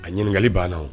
A ɲininkali baana.